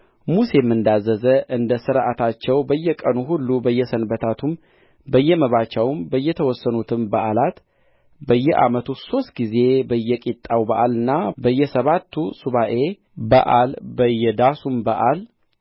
ሙሴም እንዳዘዘ እንደ ሥርዓታቸው በየቀኑ ሁሉ በየሰንበታቱም በየመባቻዎቹም በየተወሰኑትም በዓላት በየዓመቱ ሦስት ጊዜ በየቂጣው በዓልና በየሰባቱ ሱባዔ በዓል በየዳሱም በዓል